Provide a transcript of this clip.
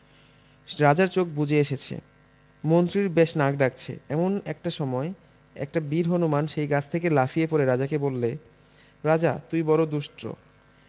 রাজার চোখ বুজে এসেছে মন্ত্রীর বেশ নাক ডাকছে এমন একটা সময় একটা বীর হনুমান সেই গাছ থেকে লাফিয়ে পড়ে রাজাকে বললে রাজা তুই বড়ো দুষ্ট্র